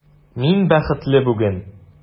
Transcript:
Мин бәхетле бүген!